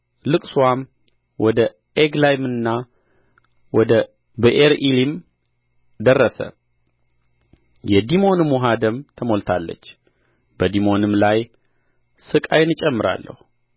ልቅሶዋም ወደ ኤግላይምና ወደ ብኤርኢሊም ደረሰ የዲሞንም ውኃ ደም ተሞልታለች በዲሞንም ላይ ሥቃይን እጨምራለሁ